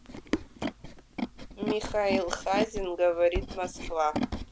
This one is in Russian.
михаил хазин говорит москва